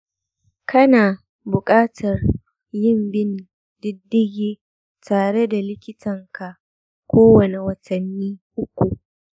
kana buƙatar yin bin diddigi tare da likitanka kowane watanni uku.